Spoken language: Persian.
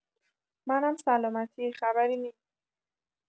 منم سلامتی خبری نی